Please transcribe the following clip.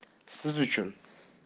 siz uchun